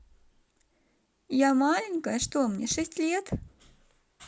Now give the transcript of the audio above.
я маленькая что мне шесть лет